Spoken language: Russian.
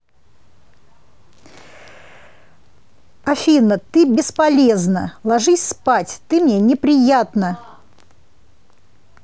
афина ты бесполезна ложись спать ты мне неприятно